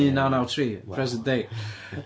un naw naw tri... Wow ...Present day.